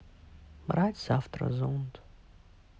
брать завтра зонт